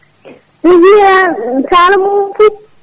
*